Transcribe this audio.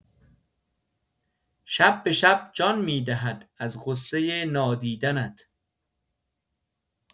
شب به شب جان می‌دهد از غصۀ نادیدنت